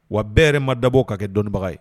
Wa bɛɛ yɛrɛ ma dabɔ ka kɛ dɔnnibagaw ye